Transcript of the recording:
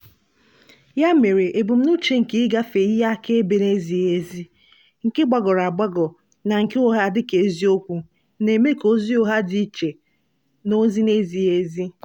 Ya mere, ebumnuche nke ịgafe ihe akaebe na-ezighi ezi, nke gbagọrọ agbagọ na nke ụgha dị ka eziokwu, na-eme ka ozi ugha dị iche na ozi na-ezighi ezi.